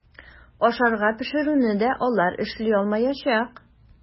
Ашарга пешерүне дә алар эшли алмаячак.